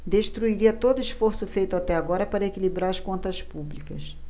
destruiria todo esforço feito até agora para equilibrar as contas públicas